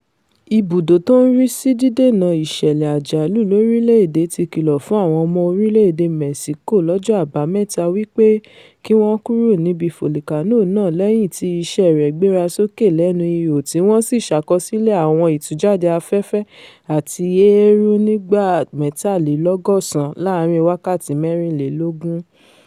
Ibùdò tó ń rísí Dídènà Ìṣẹ̀lẹ̀ Àjálù Lorílẹ̀-èdè ti kìlọ fún àwọn ọmọ orílẹ̀-èdè Mẹ́ṣíkò lọ́jọ́ Àbámẹ́ta wí pé kí wọn kùrò níbi fòlìkánò náà lẹ́yìn tí iṣẹ́ rẹ̀ gbéra sókè lẹ́nu ihò tí wọ́n sì ṣàkọsílẹ̀ àwọn ìtújáde afẹ́fẹ́ àti eérú nígbà mẹ́tàlélọ́gọ́sán láàrin wákàtí mẹ́riǹlélógún.